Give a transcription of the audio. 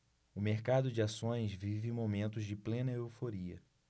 o mercado de ações vive momentos de plena euforia